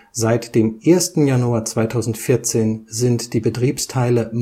Seit dem 1. Januar 2014 sind die Betriebsteile Markthallen